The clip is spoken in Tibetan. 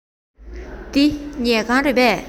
འདི ཉལ ཁང རེད པས